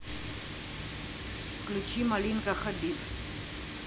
включи малинка хабиб